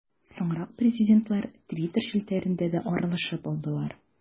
Соңрак президентлар Twitter челтәрендә дә аралашып алдылар.